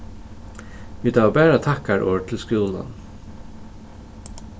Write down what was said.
vit hava bara takkarorð til skúlan